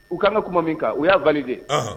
U ka kan ka kuma min kan u y'a ban kɛ